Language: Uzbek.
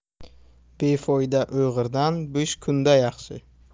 befoyda o'g'irdan bo'sh kunda yaxshi